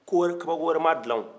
kabako wɛrɛ m'a dilan wo